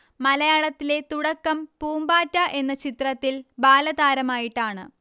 മലയാളത്തിലെ തുടക്കം പൂമ്പാറ്റ എന്ന ചിത്രത്തിൽ ബാലതാരമായിട്ടാണ്